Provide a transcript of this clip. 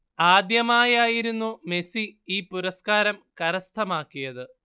ആദ്യമായായിരുന്നു Messi ഈ പുരസ്കാരം കരസ്ഥമാക്കിയത്